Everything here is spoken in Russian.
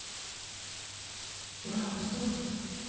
брово старс